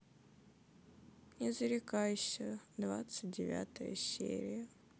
не зарекайся двадцать девятая серия